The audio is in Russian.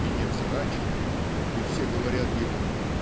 и невзрачен и все говорят ему